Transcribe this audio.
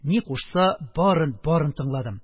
Ни кушса, барын-барын тыңладым.